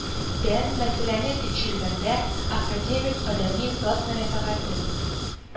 Дән, мәсьәләне тикшергәндә, академик адәми зат мәнфәгатен